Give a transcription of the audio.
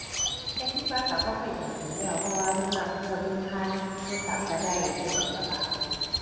ก็คิดว่าก็บ่ค่อยจำเป็นแล้ว เพราะว่าส่วนมากก็ก็เบิ่งผ่านโทรศัพท์ก็ได้ สะดวกสบาย